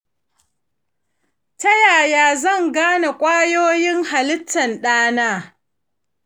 ta yaya zan gane kwayoyin halittan ɗana